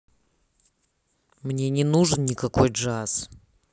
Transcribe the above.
мне не нужен никакой джаз